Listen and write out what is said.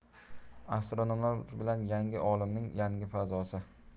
astronomlar bilan yangi olimning yangi fazosi